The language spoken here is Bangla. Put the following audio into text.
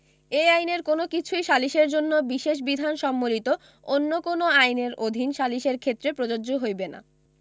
এই আইনের কোন কিছুই সালিসের জন্য বিশেষ বিধান সম্বলিত অন্য কোন আইনের অধীন সালিসের ক্ষেত্রে প্রযোজ্য হইবে না